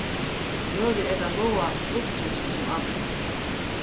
møguliga er tað lága lufttrýstið sum ávirkar teg